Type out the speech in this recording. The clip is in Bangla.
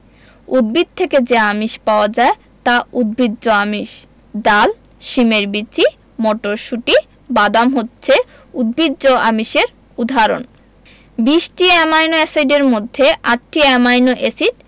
উদ্ভিদ থেকে যে আমিষ পাওয়া যায় তা উদ্ভিজ্জ আমিষ ডাল শিমের বিচি মটরশুঁটি বাদাম হচ্ছে উদ্ভিজ্জ আমিষের উদাহরণ ২০টি অ্যামাইনো এসিডের মধ্যে ৮টি অ্যামাইনো এসিড